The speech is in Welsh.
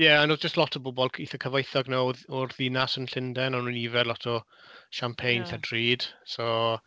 Ie, ond oedd jyst lot o bobl c- eitha cyfoethog yno oedd o'r ddinas yn Llundain. O'n nhw'n yfed lot o champagne... ie ...eitha drud, so...